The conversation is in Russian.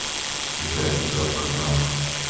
игра игра в кальмаров